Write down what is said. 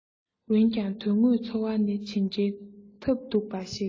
འོན ཀྱང དོན དངོས འཚོ བ ནི ཇི འདྲའི ཐབས སྡུག པ ཞིག རེད